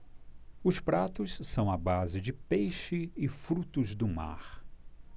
os pratos são à base de peixe e frutos do mar